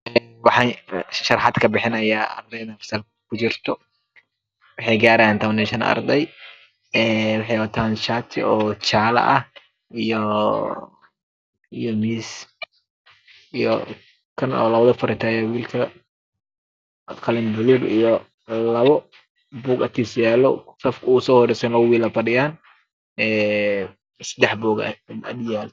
Een Waxay sharaxaad ka bixinayaa ardaydaan fasalka ku jirto daarayaan toban iyo Shan arday ee waxay wataan shaati oo jaalo eh iyo miis iyo kan labada fartaaga wiilka qallin baluug iyo labo buug agtiisa yaalo shafka ugu Soo horeysana wiilaa fadhiyaan ee saddex buug ayaa ag yaalo